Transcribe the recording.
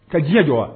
Ka di don wa